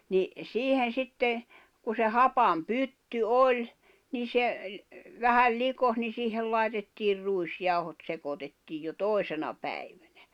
niin siihen sitten kun se hapan pytty oli niin se vähän likosi niin siihen laitettiin ruisjauhot sekoitettiin jo toisena päivänä